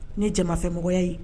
Ne jamafɛnmɔgɔya ye